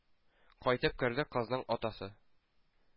Кайтып керде кызның атасы.